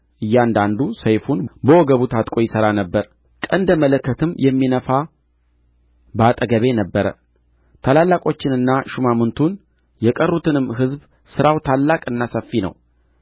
እያንዳንዱ ሰይፉን በወገቡ ታጥቆ ይሠራ ነበር ቀንደ መለከትም የሚነፋ በአጠገቤ ነበረ ታላላቆቹንና ሹማምቱን የቀሩትንም ሕዝብ ሥራው ታላቅና ሰፊ ነው